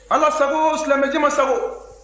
ala sago silamɛ jama sago